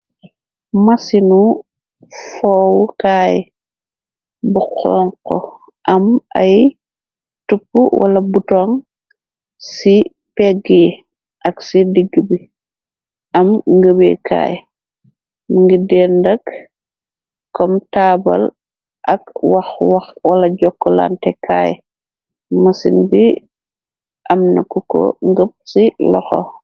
Masinu foowukaay bu xonxo am ay tuppu wala butoŋ ci pegge yi ak ci diggi bi am ngëbi kaay ngir dendak kom taabal ak waxxwala jokklante kaay masin bi am naku ko ngëpp ci loxo.